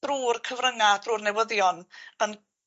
drw'r cyfrynga' drw'r newyddion yn